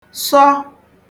sọ